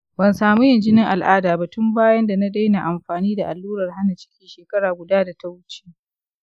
ban samu yin jinin al'ada ba tun bayan na daina amfani da allurar hana ciki shekara guda da ta wuce.